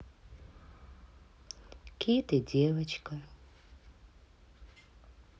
кит и девочка